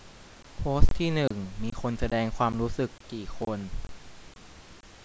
โพสต์ที่หนึ่งมีคนแสดงความรู้สึกกี่คน